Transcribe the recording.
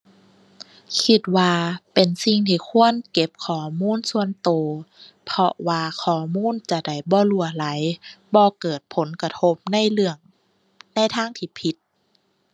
คิดว่าเป็นสิ่งที่ควรเก็บข้อมูลส่วนตัว เพราะว่าข้อมูลจะได้บ่รั่วไหล บ่เกิดผลกระทบในเรื่อง ในทางที่ผิด